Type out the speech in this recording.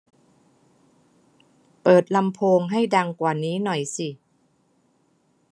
เปิดลำโพงให้ดังกว่านี้หน่อยสิ